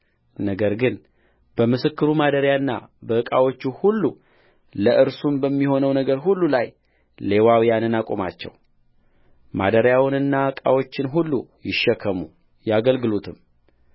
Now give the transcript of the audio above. ነገር ግን በምስክሩ ማደሪያና በዕቃዎች ሁሉ ለእርሱም በሚሆነው ነገር ሁሉ ላይ ሌዋውያንን አቁማቸው ማደሪያውንና ዕቃዎችን ሁሉ ይሸከሙ ያገልግሉትም